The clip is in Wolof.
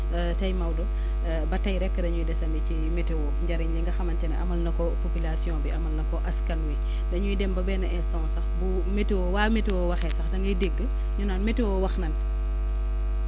tey Maodo ba tey rek dañuy desandi ci météo njëriñ li nga xamante ne amal na ko population bi amal na ko askan wi dañuy dem ba benn instant sax bu météo waa météo waxee sax dangay dégg ñu naan météo wax na